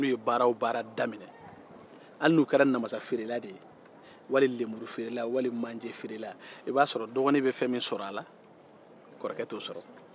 u mana baara fɛn o fɛn daminɛ n'a kɛra lenburu feere namasa feere manje feere i b'a sɔrɔ dɔgɔkɛ garijɛgɛ ka bon ka tɛmɛ kɔrɔkɛ ta kan